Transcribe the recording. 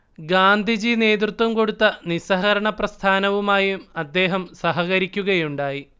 ഗാന്ധിജി നേതൃത്വം കൊടുത്ത നിസ്സഹകരണ പ്രസ്ഥാനവുമായും അദ്ദേഹം സഹകരിയ്ക്കുകയുണ്ടായി